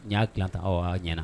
N y'a dilan tan, ɔ a ɲɛna.